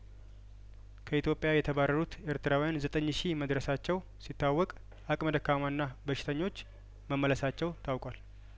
ከኢትዮጵያ የተባረሩት ኤርትራውያን ዘጠኝ ሺ መድረሳቸው ሲታወቅ አቅመ ደካማና በሽተኞች መመለሳቸው ታውቋል